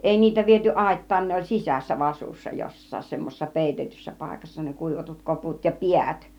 ei niitä viety aittaan ne oli sisässä vasussa jossakin semmoisessa peitetyssä paikassa ne kuivatut koput ja päät